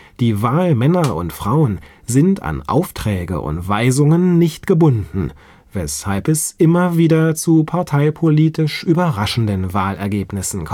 Die Wahlmänner und - frauen sind an Aufträge und Weisungen nicht gebunden, weshalb es immer wieder zu parteipolitisch überraschenden Wahlergebnissen